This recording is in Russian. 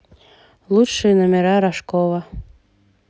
лучшие номера рожкова